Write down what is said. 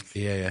Ie ie.